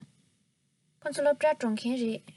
ཁོ ཚོ སློབ གྲྭར འགྲོ མཁན རེད